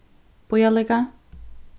bíða líka